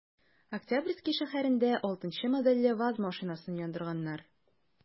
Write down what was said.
Октябрьский шәһәрендә 6 нчы модельле ваз машинасын яндырганнар.